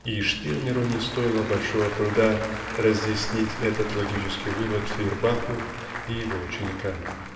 и Штирнеру не стоило большого труда разъяснить этот логический вывод Фейербаху и его ученикам.